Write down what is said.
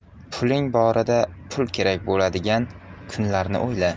puling borida pul kerak bo'ladigan kunlarni o'yla